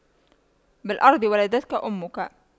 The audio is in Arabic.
بالأرض ولدتك أمك